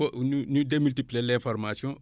fa ñu ñu démultiplier l' information